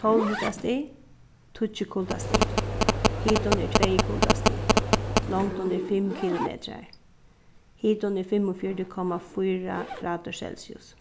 tólv hitastig tíggju kuldastig hitin er tvey kuldastig longdin er fimm kilometrar hitin er fimmogfjøruti komma fýra gradir celsius